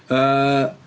Yy.